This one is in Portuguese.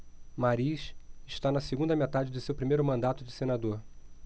mariz está na segunda metade do seu primeiro mandato de senador